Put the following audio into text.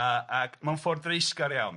Yy ac mewn ffor dreisgar iawn.